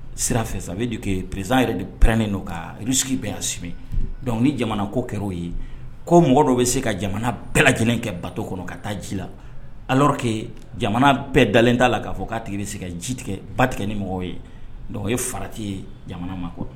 Sirafɛ a bɛ dugu prizsan yɛrɛ de pɛnen don ka sigi bɛɛ bisimila dɔnku ni jamana ko kɛra' ye ko mɔgɔ dɔ bɛ se ka jamana bɛɛ lajɛlen kɛ bato kɔnɔ ka taa ji la alake jamana bɛɛ dalen t ta la k'a fɔ k'a tigi bɛ se ka ji tigɛ ba tigɛ ni mɔgɔw ye dɔnku ye farati ye jamana ma